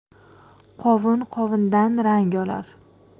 qovun qovundan rang olar